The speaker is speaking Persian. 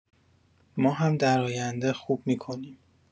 ما هم در آینده خوب می‌کنیم